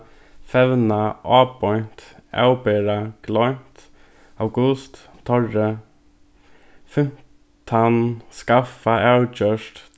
fevna ábeint avbera gloymt august teirri fimtan skaffa avgjørt